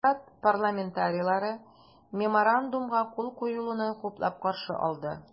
Штат парламентарийлары Меморандумга кул куелуны хуплап каршы алды.